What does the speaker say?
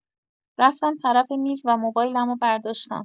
رفتم طرف میز و موبایلمو برداشتم.